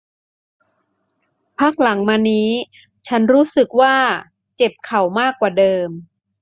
พักหลังมานี้ฉันรู้สึกว่าเจ็บเข่ามากกว่าเดิม